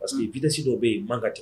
Parce que vitesse dɔw bɛ yen o man ka tɛ